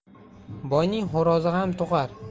boyning xo'rozi ham tug'ar